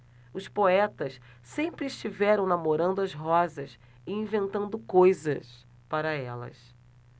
os poetas sempre estiveram namorando as rosas e inventando coisas para elas